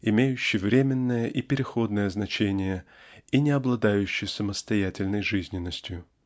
имеющий временное и переходное значение и не обладающий самостоятельной жизненностью .